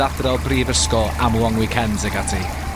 ...adra o brifysgol am long weekends ag ati.